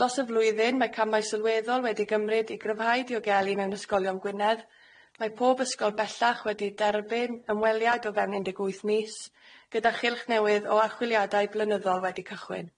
Dros y flwyddyn, mae camau sylweddol wedi gymryd i gryfhau diogeli mewn ysgolion Gwynedd, mae pob ysgol bellach wedi derbyn ymweliad o fewn un deg wyth mis, gyda chylch newydd o archwiliadau flynyddol wedi cychwyn.